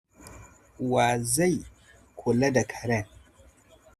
Wa zai kula da karen?